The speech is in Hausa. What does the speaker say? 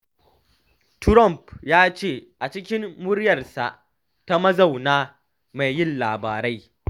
Trump ya ce a cikin muryarsa ta muzanta “mai yin labaran”.